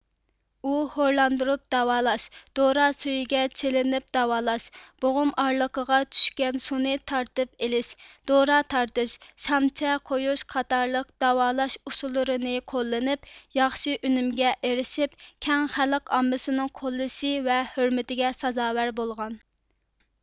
ئۇ ھورلاندۇرۇپ داۋالاش دورا سۈيىگە چىلىنىپ داۋالاش بوغۇم ئارىلىقىغا چۈشكەن سۇنى تارتىپ ئېلىش دورا تارتىش شامچە قويۇش قاتارلىق داۋالاش ئۇسۇللىرىنى قوللىنىپ ياخشى ئۈنۈمگە ئېرىشىپ كەڭ خەلق ئاممىسىنىڭ قوللىشى ۋە ھۆرمىتىگە سازاۋەر بولغان